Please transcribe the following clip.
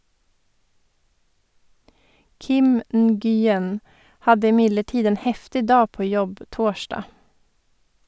Kim Nguyen hadde imidlertid en heftig dag på jobb torsdag.